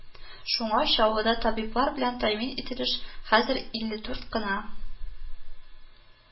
Шуңа Чаллыда табиблар белән тәэмин ителеш хәзер илле дүрт кына